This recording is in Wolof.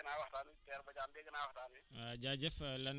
ah Omar Watt ñu ngi lay dalal jàmm dégg nga waxtaan bi